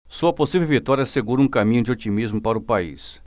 sua possível vitória assegura um caminho de otimismo para o país